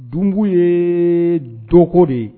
Dun ye doko de ye